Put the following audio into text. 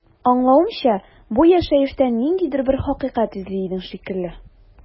Аңлавымча, бу яшәештән ниндидер бер хакыйкать эзли идең шикелле.